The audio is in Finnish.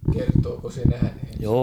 kertoiko se nähneensä